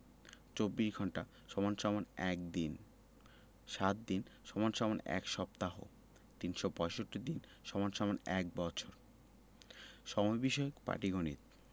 ২৪ ঘন্টা = ১ দিন ৭ দিন = ১ সপ্তাহ ৩৬৫ দিন = ১বছর সময় বিষয়ক পাটিগনিতঃ